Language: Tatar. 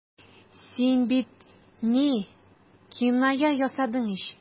Син бит... ни... киная ясадың ич.